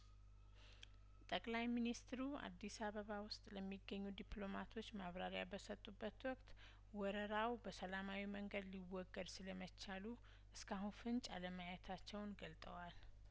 ጠቅላይ ሚኒስትሩ አዲስ አበባ ውስጥ ለሚገኙ ዲፕሎማቶች ማብራሪያ በሰጡበት ወቅት ወረራው በሰላማዊ መንገድ ሊወገድ ስለመቻሉ እስካሁን ፍንጭ አለማየታቸውን ገልጠዋል